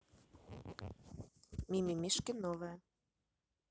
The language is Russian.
мимимишки новое